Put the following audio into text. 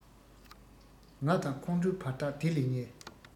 ང དང ཁོང ཁྲོའི བར ཐག དེ ལས ཉེ